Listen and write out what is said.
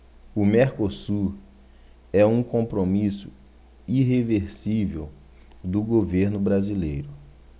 o mercosul é um compromisso irreversível do governo brasileiro